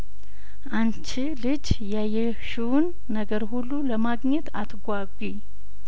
የሰርጉ አንቺ ልጅ ያየሽውን ነገር ሁሉ ለማግኘት አትጓጉ ወጥ ኩችም ተደርጐ ነው የተሰራው